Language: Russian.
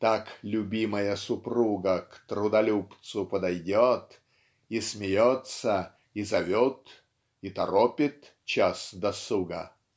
Так любимая супруга К трудолюбцу подойдет И смеется и зовет И торопит час досуга.